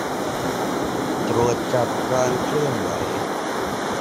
ตรวจจับการเคลื่อนไหว